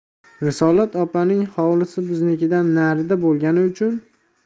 risolat opalarning hovlisi biznikidan narida bo'lgani uchun